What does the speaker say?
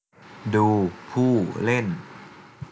ดูผู้เล่น